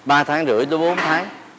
ba tháng rưỡi đến bốn tháng